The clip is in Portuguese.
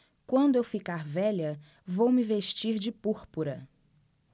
quando eu ficar velha vou me vestir de púrpura